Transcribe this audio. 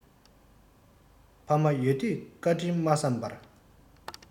ཕ མ ཡོད དུས བཀའ དྲིན མ བསམས པར